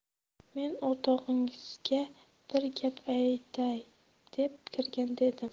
men o'rtog'ingizga bir gap aytay deb kirgan edim